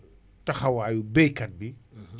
ci jamono yi ñu toll nii nga xam ne que ne vraiment